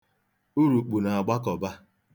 Urukpu na-agbakọba.